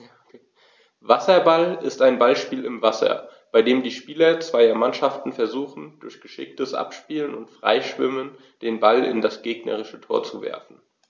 Wasserball ist ein Ballspiel im Wasser, bei dem die Spieler zweier Mannschaften versuchen, durch geschicktes Abspielen und Freischwimmen den Ball in das gegnerische Tor zu werfen.